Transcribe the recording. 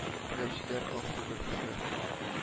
Теләүчеләр аз түгел хәзер